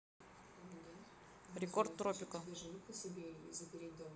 рекорд тропика